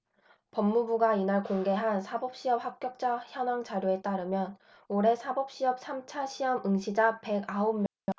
법무부가 이날 공개한 사법시험 합격자 현황 자료에 따르면 올해 사법시험 삼 차 시험 응시자 백 아홉 명 전원이 최종 합격했다